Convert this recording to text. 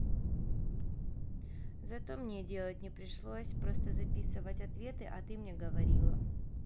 зато мне делать не пришлось просто записывать ответы а ты мне говорила